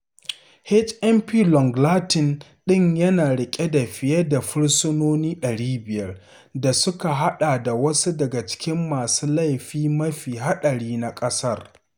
HMP Long Lartin ɗin yana riƙe da fiye da fursunoni 500, da suka haɗa da wasu daga cikin masu laifi mafiya haɗari na ƙasar.